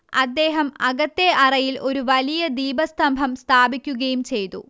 അദ്ദേഹം അകത്തെ അറയിൽ ഒരു വലിയ ദീപസ്തംഭം സ്ഥാപിക്കുകയും ചെയ്തു